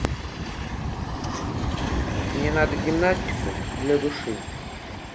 мне надо гимнастику для души